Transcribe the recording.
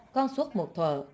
công suất một thợ